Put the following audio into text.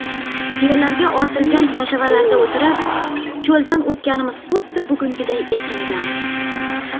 tuyalarga ortilgan kajavalarda o'tirib cho'ldan o'tganimiz xuddi bugungiday esimda